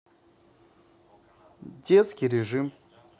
детский режим